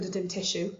gyda dim tissue